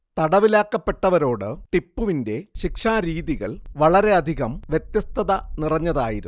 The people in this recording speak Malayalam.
തടവിലാക്കപ്പെട്ടവരോടു ടിപ്പുവിന്റെ ശിക്ഷാരീതികൾ വളരെയധികം വ്യത്യസ്തത നിറഞ്ഞതായിരുന്നു